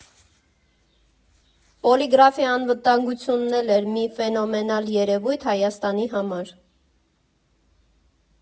Պոլիգրաֆի անվտանգությունն էլ էր մի ֆենոմենալ երևույթ Հայաստանի համար։